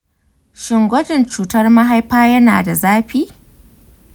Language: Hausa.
shin gwajin cutar mahaifa yana da zafi?